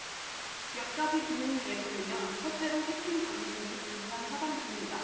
몇 가지 기능을 예로 들면 첫째로 해킹 방지 및 장난 차단 기능이다